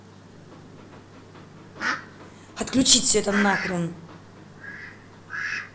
отключить все это нахрен